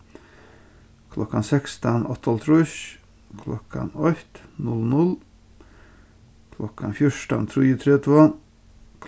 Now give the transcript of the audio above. klokkan sekstan áttaoghálvtrýss klokkan eitt null null klokkan fjúrtan trýogtretivu